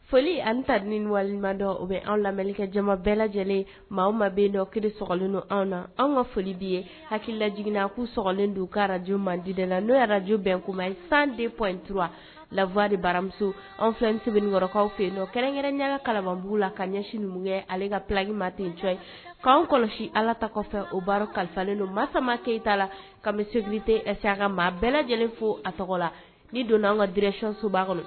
Foli ani tad waledɔ o bɛ an lamɛnlikɛja bɛɛ lajɛlen maa ma bɛ dɔ ki slen ninnu anw na anw ka folidi ye hakilila jiginina a' slen don kaj mandida la n'o yɛrɛj bɛn kuma ma ye sanden fɔ intu lafa de baramuso anw fɛnkɔrɔkaw fɛ kɛrɛnkɛrɛn ɲagaka kalabugu la ka ɲɛsin numu ale ka pki ma tenc ye k'an kɔlɔsi ala ta kɔfɛ o baara kalifalen don masama keyitayita la ka bɛ sete ɛs a ka maa bɛɛ lajɛlen fo a tɔgɔ la ni donna an ka dreconsu b' kɔnɔ